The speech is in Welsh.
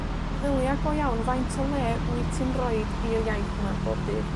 Meddylia go iawn faint o le wyt ti'n roid i'r iaith yma bob dydd.